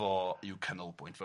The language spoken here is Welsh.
Fo yw canolbwynt fo-